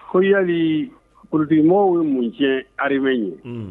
Hyali ptigimɔgɔww ye munɛn alima ye